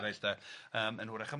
...eraill de yym yn 'w'rach